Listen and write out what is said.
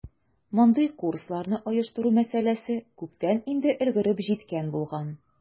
Мондый курсларны оештыру мәсьәләсе күптән инде өлгереп җиткән булган.